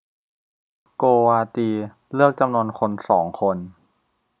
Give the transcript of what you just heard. โกวาจีเลือกจำนวนคนสองคน